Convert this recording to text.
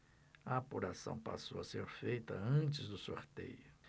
a apuração passou a ser feita antes do sorteio